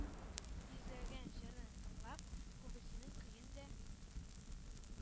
Йөзләгән җырын тыңлап, күбесенең көен дә,